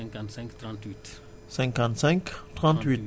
695 55 38